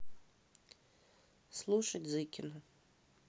слушать зыкину